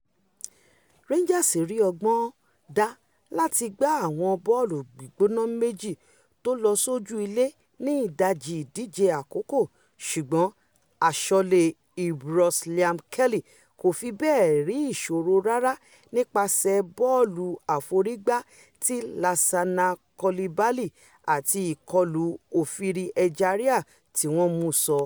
Rangers rí ọgbọ́n dá láti gba àwọn bọ́ọ̀lù gbígbóná méjì tólọ sójú ilé ni ìdajì ìdíje àkọ́kọ́ ṣùgbọ́n aṣọ́lé Ibrox Liam Kelly kòfi bẹ́ẹ̀ rí ìsọro rárá nípaṣẹ̀ bọ́ọ̀lù aforígbá ti Lassana Coulibaly àti ìkọlù Ovie Ejaria tíwọn mú ṣo.